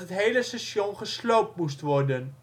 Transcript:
hele station gesloopt moest worden